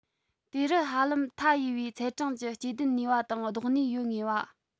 དེ རུ ཧ ལམ མཐའ ཡས པའི ཚད གྲངས ཀྱི སྐྱེ ལྡན ནུས པ དང ལྡོག ནུས ཡོད ངེས པ